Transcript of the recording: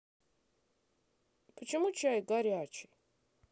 почему чай горячий